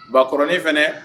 Bakɔrɔnin fana